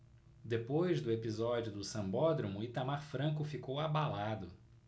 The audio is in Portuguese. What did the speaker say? depois do episódio do sambódromo itamar franco ficou abalado